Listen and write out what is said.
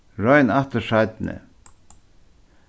royn aftur seinni